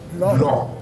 Nɔn dɔn